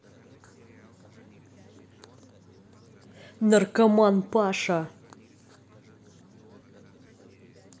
наркоман паша